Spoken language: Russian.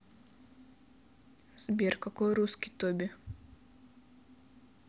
сбер какой русский тоби